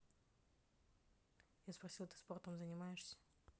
я спросил ты спортом занимаешься